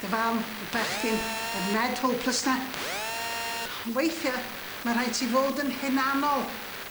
Dy fam, y bechgyn, y Ned hopeless 'ny. On' weithie, ma' rhaid ti fod yn hunanol.